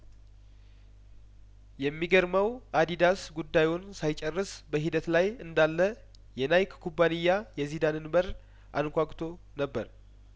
የሚ ገርመው አዲዳስ ጉዳዩን ሳይጨርስ በሂደት ላይ እንዳለ የናይክ ኩባንያ የዚዳንን በር አንኳኩቶ ነበር